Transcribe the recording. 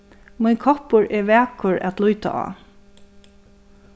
mín koppur er vakur at líta á